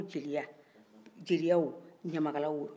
jeliya jeliyaw wo yamakalaya